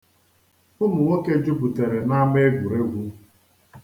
Umụ nwoke juputere n'ama egwuregwu.